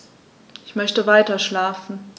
Ich möchte weiterschlafen.